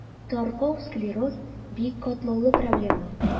Таркау склероз – бик катлаулы проблема.